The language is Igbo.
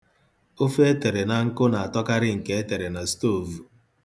Ofe e tere na nkụ na-atọkarị nke e tere na stoovu.